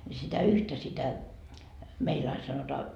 niin sitä yhtä sitä meillä aina sanotaan